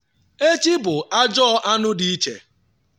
Echi bụ ajọ anụ dị iche.